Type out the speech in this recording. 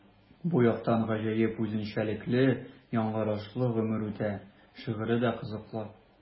Бу яктан гаҗәеп үзенчәлекле яңгырашлы “Гомер үтә” шигыре дә кызыклы.